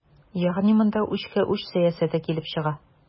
Ягъни монда үчкә-үч сәясәте килеп чыга.